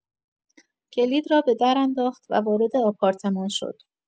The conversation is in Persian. کلید را به در انداخت و وارد آپارتمان شد.